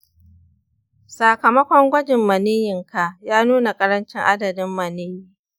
sakamakon gwajin maniyyinka ya nuna ƙarancin adadin maniyyi.